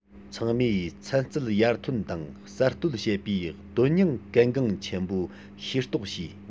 ཚང མས ཚན རྩལ ཡར ཐོན དང གསར གཏོད བྱེད པའི དོན སྙིང གལ འགངས ཆེན པོ ཤེས རྟོགས བྱས